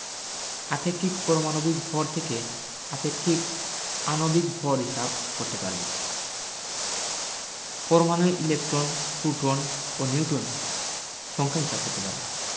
আপেক্ষিক পরমাণবিক ভর থেকে আপেক্ষিক আণবিক ভর হিসাব করতে পারব পরমাণুর ইলেকটন প্রোটন ও নিউটন সংখ্যা হিসাব করতে পারব